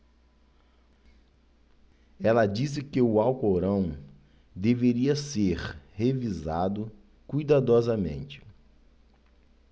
ela disse que o alcorão deveria ser revisado cuidadosamente